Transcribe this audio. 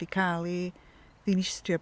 'di cael ei ddinistrio...